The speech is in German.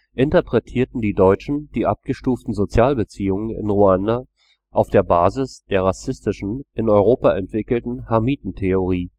interpretierten die Deutschen die abgestuften Sozialbeziehungen in Ruanda auf der Basis der rassistischen, in Europa entwickelten Hamitentheorie